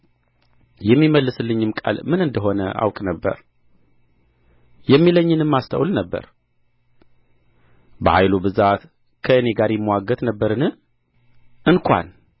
የሚመልስልኝም ቃል ምን እንደ ሆነ አውቅ ነበር የሚለኝንም አስተውል ነበር በኃይሉ ብዛት ከእኔ ጋር ይምዋገት ነበርን እንኳን